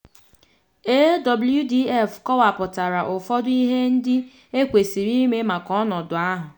AWDF kọwapụtara ụfọdụ ihe ndị ekwesiri ime maka ọnọdụ ahụ.